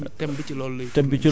émi thème bi ci loolu lay